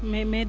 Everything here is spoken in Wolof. mais mais